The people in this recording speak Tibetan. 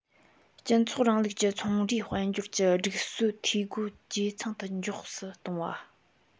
སྤྱི ཚོགས རིང ལུགས ཀྱི ཚོང རའི དཔལ འབྱོར གྱི སྒྲིག སྲོལ འཐུས སྒོ ཇེ ཚང དུ མགྱོགས སུ བཏང བ